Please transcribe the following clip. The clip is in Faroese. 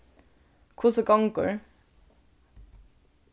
hvussu gongur